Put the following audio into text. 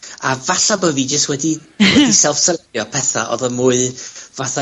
A falle bo' fi jys wedi... ...wedi self-serfio petha odd yn mwy fatha